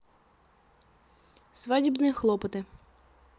свадебные хлопоты